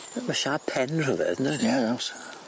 Yy ma' siap pen rhyfedd yndoes? Ie o's.